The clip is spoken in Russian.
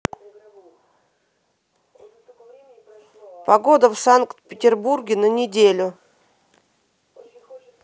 погода в санкт петербурге на неделю